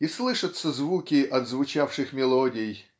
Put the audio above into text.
и слышатся звуки отзвучавших мелодий